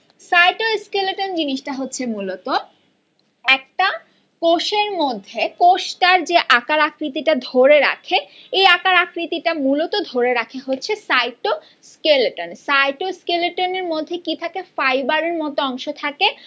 cytoskeleton জিনিসটা হচ্ছে মূলত একটা কোষের মধ্যে কোষ টার যে আকার আকৃতি টা ধরে রাখে এ আকার আকৃতিতে মূলত ধরে রাখে হচ্ছে সাইটোস্কেলিটন সাইটোস্কেলিটন এর মধ্যে কি থাকে ফাইবারের মত অংশ থাকে